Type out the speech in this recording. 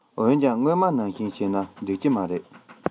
འོན ཀྱང སྔོན མ ནང བཞིན བྱས ན འགྲིག གི མ རེད